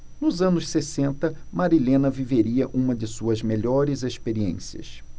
nos anos sessenta marilena viveria uma de suas melhores experiências